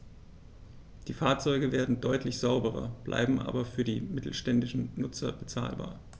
Die Fahrzeuge werden deutlich sauberer, bleiben aber für die mittelständischen Nutzer bezahlbar.